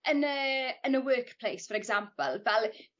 yn y yn y work place for example fel